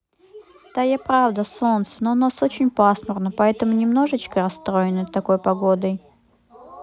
да я правда солнце но у нас очень пасмурно поэтому немножечко расстроены такой погодой